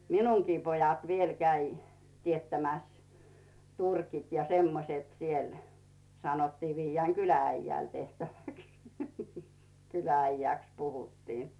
minunkin pojat vielä kävi teettämässä turkit ja semmoiset siellä sanottiin viedään kylä-äijälle tehtäväksi kylä-äijäksi puhuttiin